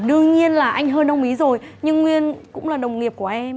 đương nhiên là anh hơn ông ý rồi nhưng nguyên cũng là đồng nghiệp của em